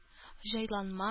Җайланма